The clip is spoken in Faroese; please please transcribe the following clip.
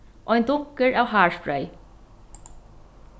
ein dunkur av hársprey